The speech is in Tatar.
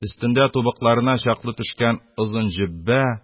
Өстендә тубыкларына чаклы төшкән озын жөббә...